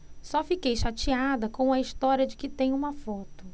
só fiquei chateada com a história de que tem uma foto